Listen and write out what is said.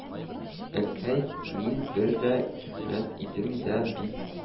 – әнкәй, мин бер дә китмәс идем дә бит